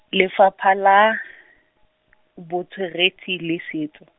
Lefapha la, Botsweretshi le Setso.